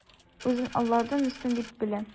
Үзен алардан өстен дип белә.